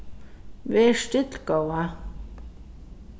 ver still góða